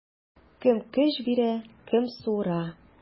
Кем көч бирә, кем суыра.